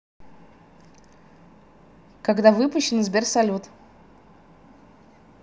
когда выпущен сбер салют